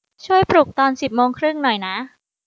ช่วยตั้งปลุกตอนสิบโมงครึ่งหน่อยนะ